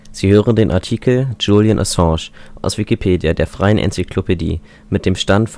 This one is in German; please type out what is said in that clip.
Sie hören den Artikel Julian Assange, aus Wikipedia, der freien Enzyklopädie. Mit dem Stand vom